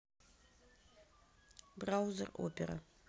браузер опера